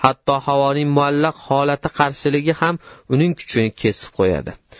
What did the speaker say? hatto havoning muallaq holati qarshiligi ham uning kuchini kesib qo'yadi